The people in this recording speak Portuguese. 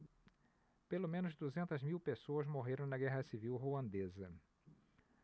pelo menos duzentas mil pessoas morreram na guerra civil ruandesa